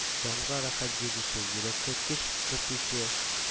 Җанга рәхәт бирүче, йөрәккә көч кертүче